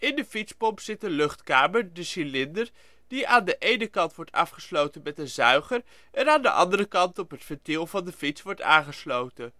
fietspomp zit een luchtkamer (de cilinder) die aan de ene kant wordt afgesloten met een zuiger en aan de andere kant op het ventiel van een fiets wordt aangesloten